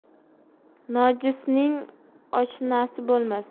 nojinsning oshnasi bo'lmas